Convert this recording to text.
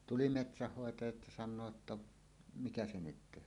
tuli metsänhoitaja ja sanoo jotta mikä se nyt tehdään